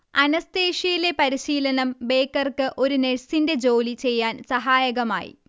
അനസ്തേഷ്യയിലെ പരിശീലനം ബേക്കർക്ക് ഒരു നഴ്സിന്റെ ജോലി ചെയ്യാൻ സഹായകമായി